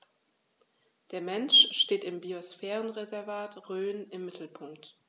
Der Mensch steht im Biosphärenreservat Rhön im Mittelpunkt.